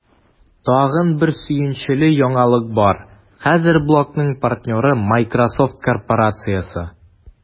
Тагын бер сөенечле яңалык бар: хәзер блогның партнеры – Miсrosoft корпорациясе!